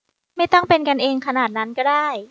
ไม่ต้องเป็นกันเองขนาดนั้นก็ได้